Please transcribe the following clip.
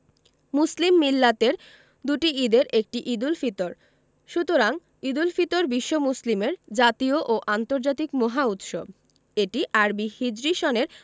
মুসলিম মিল্লাতের দুটি ঈদের একটি ঈদুল ফিতর সুতরাং ঈদুল ফিতর বিশ্ব মুসলিমের জাতীয় ও আন্তর্জাতিক মহা উৎসব এটি আরবি হিজরি সনের